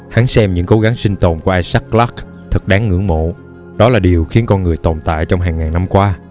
hắn xem những cố gắng sinh tồn của isaac clarke thật đáng ngưỡng mộ đó là điều khiến con người tồn tại trong hàng ngàn năm qua